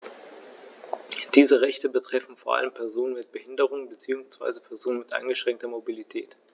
Diese Rechte betreffen vor allem Personen mit Behinderung beziehungsweise Personen mit eingeschränkter Mobilität.